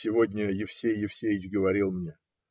Сегодня Евсей Евееич говорит мне